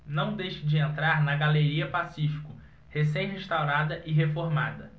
não deixe de entrar na galeria pacífico recém restaurada e reformada